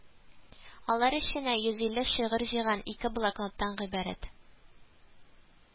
Алар эченә йөз илле шигырь җыйган ике блокноттан гыйбарәт